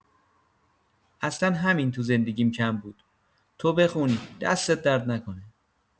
اصلا همین تو زندگیم کم بود تو بخونی دستت درد نکنه